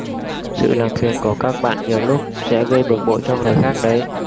sự làm phiền của các bạn nhiều lúc sẽ gây bực bội cho người khác đấy